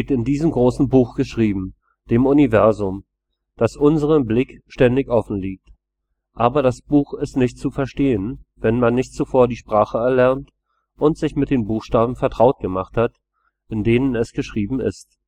in diesem großen Buch geschrieben, dem Universum, das unserem Blick ständig offen liegt. Aber das Buch ist nicht zu verstehen, wenn man nicht zuvor die Sprache erlernt und sich mit den Buchstaben vertraut gemacht hat, in denen es geschrieben ist